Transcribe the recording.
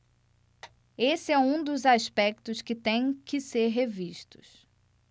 esse é um dos aspectos que têm que ser revistos